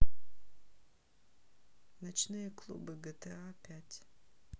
ночные клубы гта пять